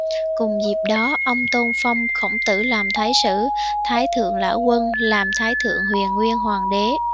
cùng dịp đó ông tôn phong khổng tử làm thái sử thái thượng lão quân làm thái thượng huyền nguyên hoàng đế